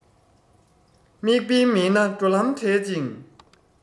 དམིགས འབེན མེད ན འགྲོ ལམ བྲལ ཅིང